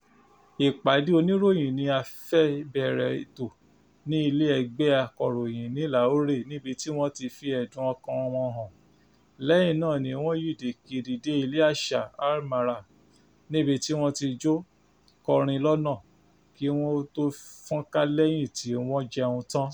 Ìpàdé oníròyìn ni a fi bẹ̀rẹ̀ ètò ní Ilé Ẹgbẹ́ Akọ̀ròyìn ní Lahore níbi tí wọ́n ti fi ẹ̀dùn ọkàn-an wọn hàn; lẹ́yìn náà ni wọ́n yíde kiri dé Ilé Àṣà Al Hamra níbi tí wọ́n ti jó, kọrin lọ́nà, kí wọn ó tó fọ́nká lẹ́yìn tí wọ́n jẹun tán.